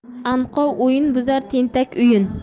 anqov o'yin buzar tentak uyin